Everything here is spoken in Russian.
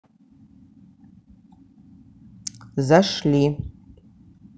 зашли